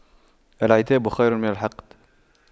العتاب خير من الحقد